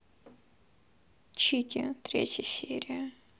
чики третья серия